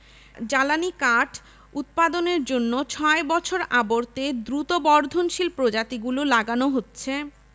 জ্বালানি কাঠ উৎপাদনের জন্য ৬ বছর আবর্তে দ্রুত বর্ধনশীল প্রজাতিগুলো লাগানো হচ্ছে